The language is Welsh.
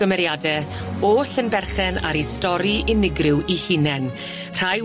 gymeriade, oll yn berchen ar ei stori unigryw 'u hunen rhai